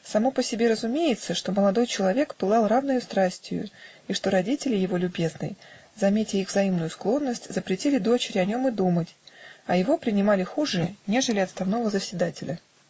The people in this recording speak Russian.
Само по себе разумеется, что молодой человек пылал равною страстию и что родители его любезной, заметя их взаимную склонность, запретили дочери о нем и думать, а его принимали хуже, нежели отставного заседателя.